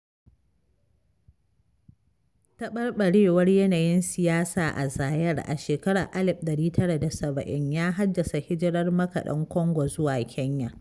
Taɓarɓarewar yanayin siyasa a Zaire a shekarar 1970 ya haddasa hijirar makaɗan Congo zuwa Kenya.